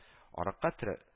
Арыкка терәп